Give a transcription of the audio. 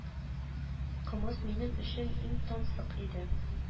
Кымыз минем өчен иң тансык иде